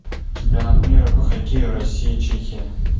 чемпионат мира по хоккею россия чехия